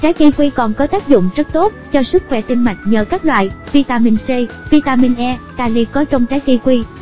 trái kiwi còn có tác dụng rất tốt cho sức khoẻ tim mạch nhờ các loại vitamin c vitamin e kali có trong trái kiwi